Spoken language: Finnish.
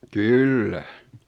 kyllä